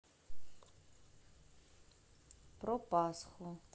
про пасху